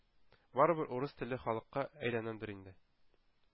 Барыбер «урыс телле халык»ка әйләнәмдер инде.